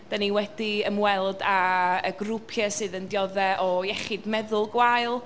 Dan ni wedi ymweld â grwpiau sydd yn dioddef o iechyd meddwl gwael.